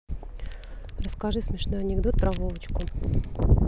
расскажи смешной анекдот про вовочку